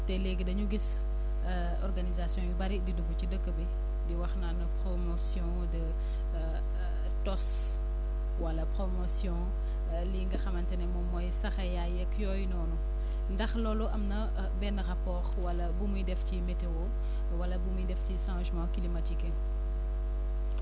te léegi dañu gis organisation yu bëri di dugg ci dëkk bi di wax naan promotion de tos wala promotion lii nga xamante ne moom mooy saxeyaay yeeg yooyu noonu ndax loolu am na benn rapport wala bu muy def ci météo wala bu muy def ci changements climatiques yi